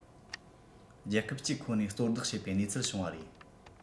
རྒྱལ ཁབ གཅིག ཁོ ནས གཙོ བདག བྱེད པའི གནས ཚུལ བྱུང བ རེད